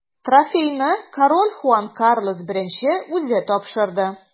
Трофейны король Хуан Карлос I үзе тапшырды.